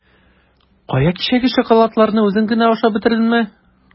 Кая, кичәге шоколадларыңны үзең генә ашап бетердеңме?